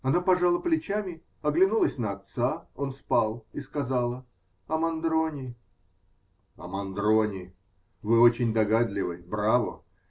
Она пожала плечами, оглянулась на отца -- он спал -- и сказала: -- О Мандрони. -- О Мандрони. Вы очень догадливы. Браво!